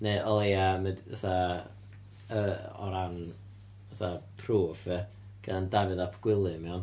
Neu o leia mynd fatha, yy, o ran fatha proof ia, gan Dafydd Ap Gwilym, iawn?